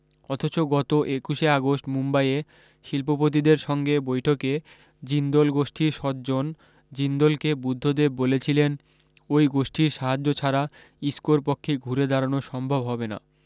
অথচ গত একুশে আগস্ট মুম্বাইয়ে শিল্পপতিদের সঙ্গে বৈঠকে জিন্দল গোষ্ঠীর সজ্জন জিন্দলকে বুদ্ধবাবু বলেছিলেন ওই গোষ্ঠীর সাহায্য ছাড়া ইসকোর পক্ষে ঘুরে দাঁড়ানো সম্ভব হবে না